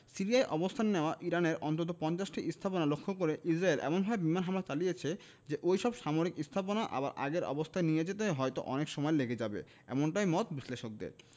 সিরিয়ায় অবস্থান নেওয়া ইরানের অন্তত ৫০টি স্থাপনা লক্ষ্য করে ইসরায়েল এমনভাবে বিমান হামলা চালিয়েছে যে ওই সব সামরিক স্থাপনা আবার আগের অবস্থায় নিয়ে যেতে হয়তো অনেক সময় লেগে যাবে এমনটাই মত বিশ্লেষকদের